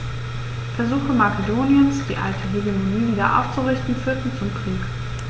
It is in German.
Versuche Makedoniens, die alte Hegemonie wieder aufzurichten, führten zum Krieg.